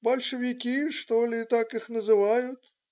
Большевики, что ли, так их называют.